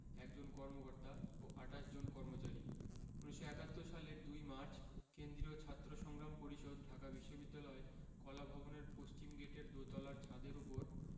১ জন কর্মকর্তা ও ২৮ জন কর্মচারী ১৯৭১ সালের ২ মার্চ কেন্দ্রীয় ছাত্র সংগ্রাম পরিষদ ঢাকা বিশ্ববিদ্যালয় কলাভবনের পশ্চিমগেটের দোতলার ছাদের উপর